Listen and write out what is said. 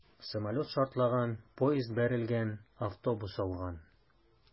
Самолет шартлаган, поезд бәрелгән, автобус ауган...